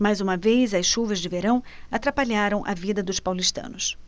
mais uma vez as chuvas de verão atrapalharam a vida dos paulistanos